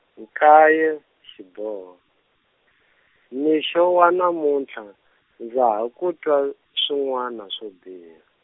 nkaye, xiboho, mixo wa namutlha, ndza ha ku twa swin'wana swo biha.